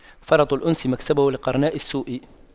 فرط الأنس مكسبة لقرناء السوء